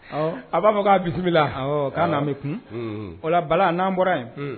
Ɔ a b'a fɔ k'a bisimilasiri la k'a' bɛ kun wala bala n'an bɔra yen